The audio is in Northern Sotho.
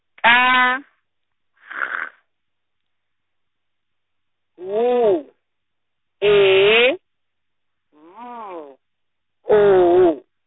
K G W E B O.